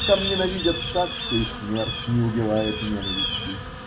там ненавидят так, что и смерть не убивает ненависти.